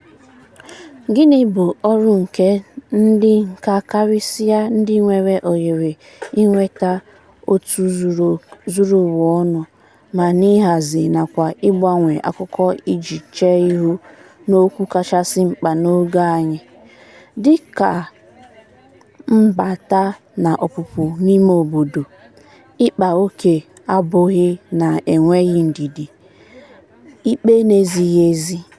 OM: Gịnị bụ ọrụ nke ndị nkà, karịsịa ndị nwere ohere inweta òtù zuru ụwa ọnụ ma n'ịhazi nakwa ịgbanwe akụkọ iji chee ihu n'okwu kachasị mkpa n'oge anyị, dị ka mbata na ọpụpụ n'ime obodo ịkpa ókè agbụrụ na enweghị ndidi / ikpe n'ezighị ezi?